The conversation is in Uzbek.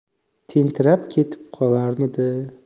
tentirab ketib qolarmidi